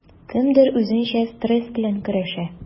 Кемдер үзенчә стресс белән көрәшә.